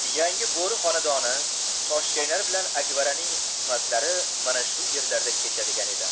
yangi bo'ri xonadoni toshchaynar bilan akbaraning qismatlari mana shu yerlarda kechadigan edi